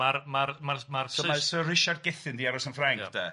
Ma'r ma'r ma'r ma'r sy- So ma' Syr Richard Gethin di aros yn Ffrainc de?